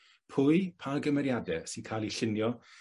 pwy pa gymeriade sy'n ca'l 'u llunio